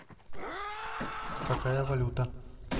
какая валюта